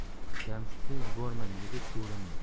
jamshidni yubormang dedi chuvrindi